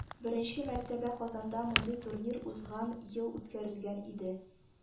Беренче мәртәбә Казанда мондый турнир узган ел үткәрелгән иде